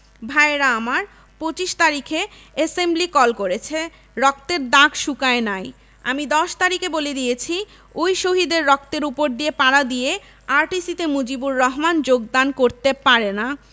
ভায়েরা আমার ২৫ তারিখে assembly call করেছে রক্তের দাগ শুকায় নাই আমি দশ তারিখে বলে দিয়েছি ওই শহীদের রক্তের উপর দিয়ে পারা দিয়ে আর.টি.সি. তে মুজিবুর রহমান যোগদান করতে পারে না